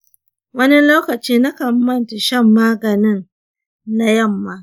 wani lokaci nakan manta shan maganin na yamma.